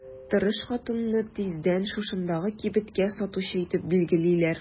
Тырыш хатынны тиздән шушындагы кибеткә сатучы итеп билгелиләр.